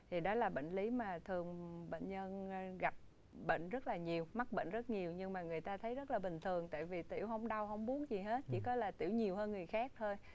thì đó là bệnh lý mà thường bệnh nhân gặp bệnh rất là nhiều mắc bệnh rất nhiều nhưng mà người ta thấy rất là bình thường tại vì tiểu hông đau hông buốt gì hết chỉ có là tiểu nhiều hơn người khác thôi